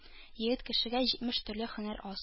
Егет кешегә җитмеш төрле һөнәр аз.